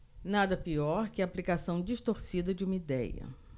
nada pior que a aplicação distorcida de uma idéia